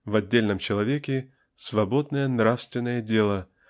в отдельном человеке -- свободное нравственное дело